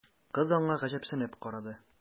Кыз аңа гаҗәпсенеп карады.